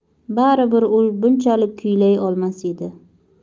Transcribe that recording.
bari bir u bunchalik kuylay olmas edi